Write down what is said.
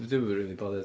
dwi'm yn rili bothered.